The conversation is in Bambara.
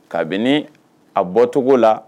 Kabini a bɔcogogo la